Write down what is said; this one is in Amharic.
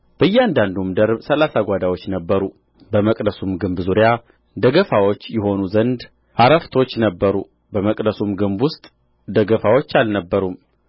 በእያንዳንዱም ደርብ ሠላሳ ጓዳዎች ነበሩ በመቅደሱም ግንብ ዙሪያ ደገፋዎች ይሆኑ ዘንድ አረፍቶች ነበሩ በመቅደሱም ግንብ ውስጥ ደገፋዎች አልነበሩም